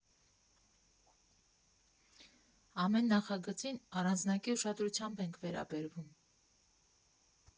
Ամեն նախագծին առանձնակի ուշադրությամբ ենք վերաբերվում։